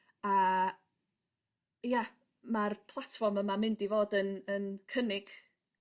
A ia ma'r platfform yma mynd i fod yn yn cynnig